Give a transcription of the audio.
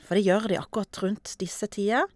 For det gjør de akkurat rundt disse tider.